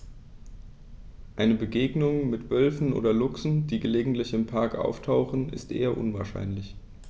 Eine Begegnung mit Wölfen oder Luchsen, die gelegentlich im Park auftauchen, ist eher unwahrscheinlich.